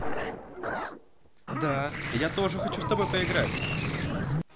да я тоже хочу с тобой поиграть